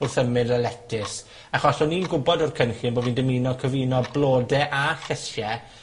wrth ymyl y letys, achos o'n i'n gwbod o'r cynllun bo' fi'n dymuno cyfuno blode a llysie